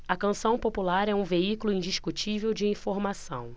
a canção popular é um veículo indiscutível de informação